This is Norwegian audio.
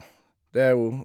Det er jo...